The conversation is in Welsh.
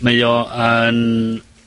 mae o yn